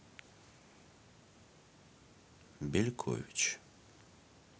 белькович